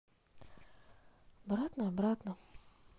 обратно обратно